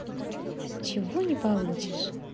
чего не получишь